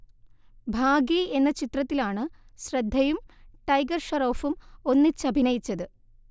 ഭാഗി എന്ന ചിത്രത്തിലാണ് ശ്രദ്ധയും ടൈഗർ ഷ്റോഫും ഒന്നിച്ചഭിനയിച്ചത്